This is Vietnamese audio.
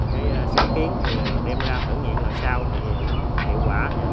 cái sáng kiến thì đem ra thử nghiệm lần sau thì nó hiệu quả